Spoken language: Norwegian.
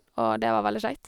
Og det var veldig kjekt.